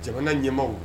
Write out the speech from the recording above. Jamana ɲɛmaw